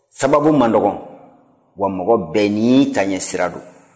sababu man dɔgɔ wa mɔgɔ bɛɛ n'i taɲɛ sira don